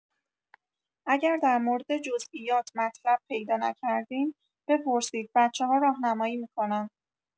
اگر در مورد جزییات مطلب پیدا نکردین، بپرسید، بچه‌ها راهنمایی می‌کنن.